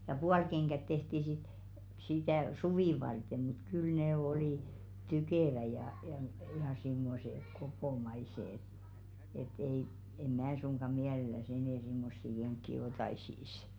ja puolikengät tehtiin sitten sitä suvea varten mutta kyllä ne oli tukevat ja ja - ja semmoiset kopomaiset että että ei en minä suinkaan mielellänsä enää semmoisia kenkiä ottaisi